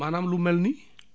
maanaam lu mel ni